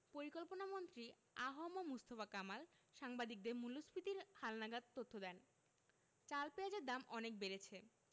পরিকল্পনামন্ত্রী আ হ ম মুস্তফা কামাল সাংবাদিকদের মূল্যস্ফীতির হালনাগাদ তথ্য দেন চাল পেঁয়াজের দাম অনেক বেড়েছে